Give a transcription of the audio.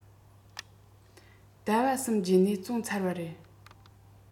ཟླ བ གསུམ རྗེས ནས བཙོང ཚར བ རེད